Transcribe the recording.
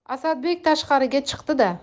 asadbek tashqariga chiqdi da